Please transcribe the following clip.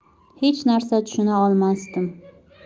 hech narsa tushuna olmasdim